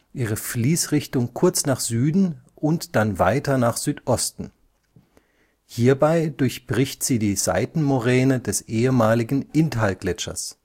ihre Fließrichtung kurz nach Süden und dann weiter nach Südosten. Hierbei durchbricht sie die Seitenmoräne des ehemaligen Inntalgletschers